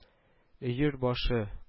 Өер башы